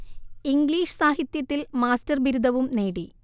English സാഹിത്യത്തിൽ master ബിരുദവും നേടി